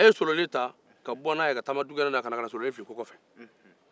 a ye solonin ta ka n'a fil so kɔfɛ